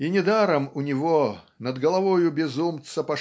И недаром у него над головою безумца